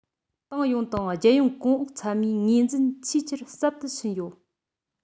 ཏང ཡོངས དང རྒྱལ ཡོངས གོང འོག ཚང མའི ངོས འཛིན ཆེས ཆེར ཟབ ཏུ ཕྱིན ཡོད